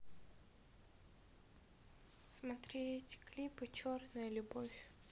смотреть клипы черная любовь